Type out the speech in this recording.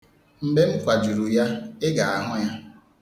Mgbe m kwajuru ya, Ị ga-ahụ ya.